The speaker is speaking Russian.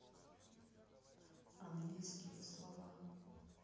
английские слова